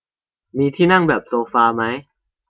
มีที่นั่งแบบโซฟามั้ย